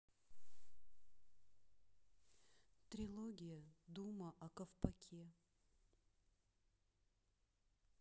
трилогия дума о ковпаке